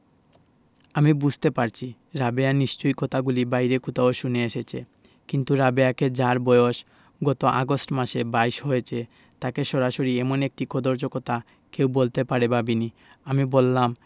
আমি বুঝতে পারছি রাবেয়া নিশ্চয়ই কথাগুলি বাইরে কোথাও শুনে এসেছে কিন্তু রাবেয়াকে যার বয়স গত আগস্ট মাসে বাইশ হয়েছে তাকে সরাসরি এমন একটি কদৰ্য কথা কেউ বলতে পারে ভাবিনি আমি বললাম